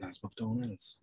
That's McDonalds.